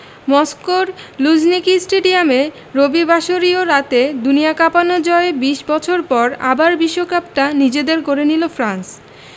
মস্কোর লুঝনিকি স্টেডিয়ামে রবিবাসরীয় রাতে দুনিয়া কাঁপানো জয়ে ২০ বছর পর আবার বিশ্বকাপটা নিজেদের করে নিল ফ্রান্স